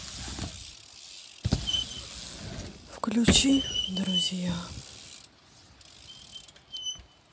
включи друзья